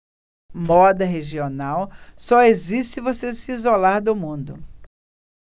moda regional só existe se você se isolar do mundo